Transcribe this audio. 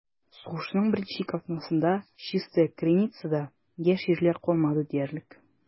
Сугышның беренче ике атнасында Чистая Криницада яшь ирләр калмады диярлек.